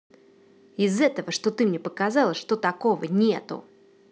из этого что ты мне показала что такого нету